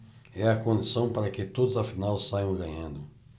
é a condição para que todos afinal saiam ganhando